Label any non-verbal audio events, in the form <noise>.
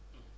<hesitation> <hesitation>